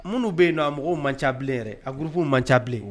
Minnu bɛ yen nɔ a mɔgɔw man cabilen yɛrɛ a gurp man ca bilen